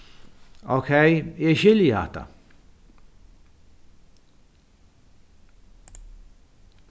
ókey eg skilji hatta